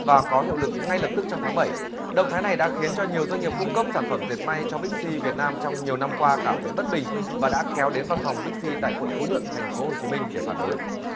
và có hiệu lực ngay lập tức trong tháng bảy động thái này đã khiến cho nhiều doanh nghiệp cung cấp sản phẩm dệt may cho bích xi việt nam trong nhiều năm qua cảm thấy bất bình và đã kéo đến văn phòng bích xi tại quận phú nhuận thành phố hồ chí minh để phản đối